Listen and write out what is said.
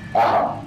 Ɔ